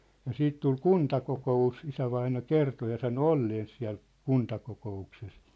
ja sitten tuli kuntakokous isävainaja kertoi ja sanoi olleensa siellä kuntakokouksessa